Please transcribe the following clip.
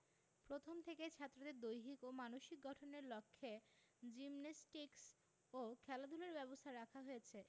প্রথম থেকেই ছাত্রদের দৈহিক ও মানসিক গঠনের লক্ষ্যে জিমনাস্টিকস ও খেলাধুলার ব্যবস্থা রাখা হয়েছে